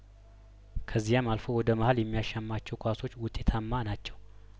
ከዚያም አልፎ ወደ መሀል የሚያሻ ማቸው ኳሶች ውጤታማ ናቸው